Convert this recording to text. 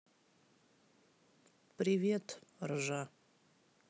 привет ржа